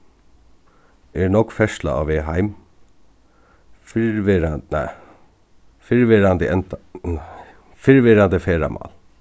er nógv ferðsla á veg heim nei fyrrverandi nei fyrrverandi ferðamál